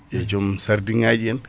e joom sardiŋi en